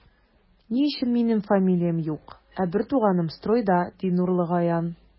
Ни өчен минем фамилиям юк, ә бертуганым стройда, ди Нурлыгаян.